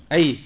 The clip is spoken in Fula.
ayi